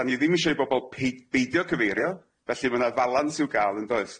'Dan ni ddim isio i bobol pei- beidio cyfeirio felly ma' na falans i'w ga'l yndoes?